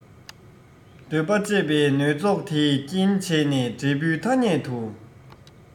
འདོད པ སྤྱད པས མནོལ བཙོག དེས རྐྱེན བྱས ནས འབྲས བུའི ཐ སྙད དུ